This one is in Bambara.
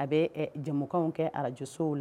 A bɛ ɛ jɛmukanw kɛ radio sow la.